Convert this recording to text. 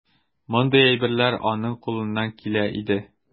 Мондый әйберләр аның кулыннан килә иде.